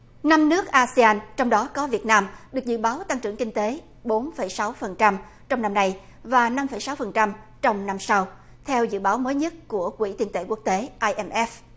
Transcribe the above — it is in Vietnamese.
năm nước a si an trong đó có việt nam được dự báo tăng trưởng kinh tế bốn phẩy sáu phần trăm trong năm nay và năm phẩy sáu phần trăm trong năm sau theo dự báo mới nhất của quỹ tiền tệ quốc tế ai em ép